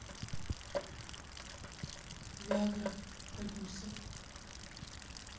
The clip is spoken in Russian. виа гра продюсер